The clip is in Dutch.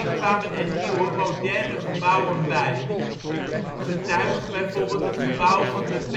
kwamen er nieuwe " moderne " gebouwen bij. Getuige bijvoorbeeld het gebouw van de